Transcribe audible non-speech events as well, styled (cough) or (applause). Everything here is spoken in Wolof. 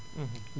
(hesitation) (hesitation)